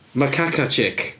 Macaque chick.